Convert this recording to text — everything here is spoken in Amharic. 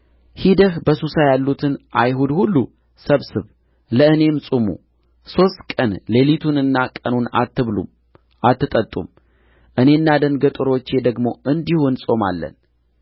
ሄደህ በሱሳ ያሉትን አይሁድ ሁሉ ሰብስብ ለእኔም ጹሙ ሦስት ቀን ሌሊቱንና ቀኑን አትብሉም አትጠጡም እኔና ደንገጥሮቼ ደግሞ እንዲሁ እንጾማለን